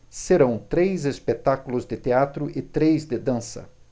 serão três espetáculos de teatro e três de dança